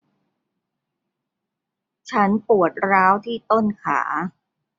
ฉันปวดร้าวที่ต้นขา